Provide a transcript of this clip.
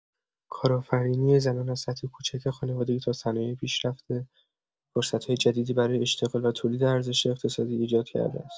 کارآفرینی زنان از سطح کوچک خانوادگی تا صنایع پیشرفته، فرصت‌های جدیدی برای اشتغال و تولید ارزش اقتصادی ایجاد کرده است.